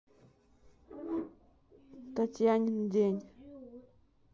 татьянин день